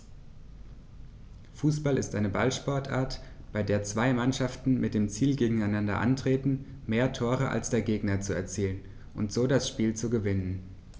Fußball ist eine Ballsportart, bei der zwei Mannschaften mit dem Ziel gegeneinander antreten, mehr Tore als der Gegner zu erzielen und so das Spiel zu gewinnen.